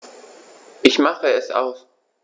Ich mache es aus.